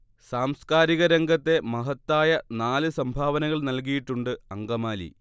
സാംസ്കാരിക രംഗത്തെ മഹത്തായ നാല് സംഭാവനകൾ നൽകിയിട്ടുണ്ട് അങ്കമാലി